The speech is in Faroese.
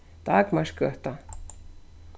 dagmarsgøta